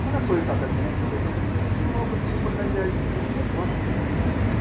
Она кое-как ответила, извинилась хлопотами по хозяйству и ушла на кухню.